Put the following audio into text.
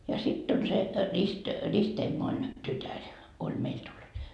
ja sitten on se - ristiemoni tytär oli meille tullut